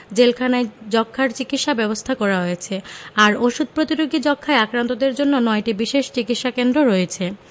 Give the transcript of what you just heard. জেলখানায় যক্ষ্মার চিকিৎসা ব্যবস্থা করা হয়েছে আর ওষুধ প্রতিরোধী যক্ষ্মায় আক্রান্তদের জন্য ৯টি বিশেষ চিকিৎসাকেন্দ্র রয়েছে